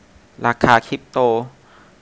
ราคาคริปโต